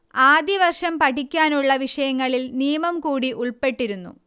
ആദ്യവർഷം പഠിക്കാനുള്ള വിഷയങ്ങളിൽ നിയമം കൂടി ഉൾപ്പെട്ടിരുന്നു